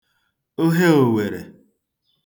ohe òwèrè